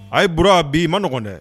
A' b a bi ii maɔgɔn dɛ